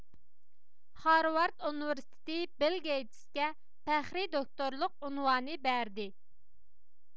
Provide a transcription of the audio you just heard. خارۋارد ئۇنىۋېرسىتېتى بىل گېيتىسكە پەخرىي دوكتورلۇق ئۇنۋانى بەردى